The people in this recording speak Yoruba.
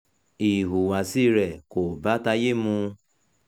Ìhùwàsíi rẹ̀ kò bá tayé mu.